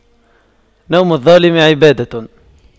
نوم الظالم عبادة